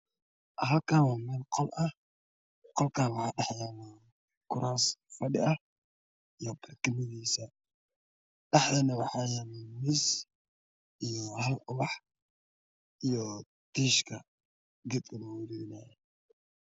Waa qol waxaa yaalo kuraas fadhi ah iyo barkimihiisa, dhexda waxaa yaalo miis, hal ubax iyo tiish.